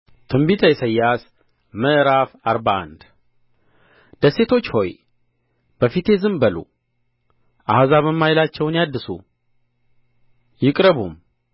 ትንቢተ ኢሳይያስ ምዕራፍ አርባ አንድ ደሴቶች ሆይ በፊቴ ዝም በሉ አሕዛብም ኃይላቸውን ያድሱ ይቅረቡም